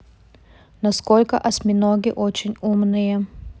насколько осьминоги очень умные